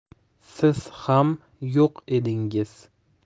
siz xam yo'q edingiz